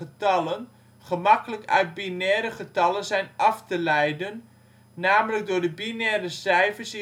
getallen gemakkelijk uit binaire getallen zijn af te leiden, namelijk door de binaire cijfers